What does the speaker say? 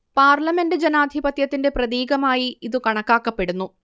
parliament ജനാധിപത്യത്തിന്റെ പ്രതീകമായി ഇതു കണക്കാക്കപ്പെടുന്നു